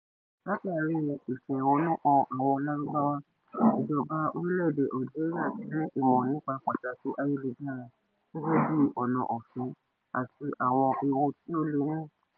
Látàrí ìfẹ̀hónú hàn àwọn Lárúbáwá, ìjọba orílẹ̀-èdè Algeria ti ní ìmọ̀ nípa pàtàkì ayélujára gẹ́gẹ́ bíi ọ̀nà ọ̀fẹ́ àti àwọn ewú tí ó le ní.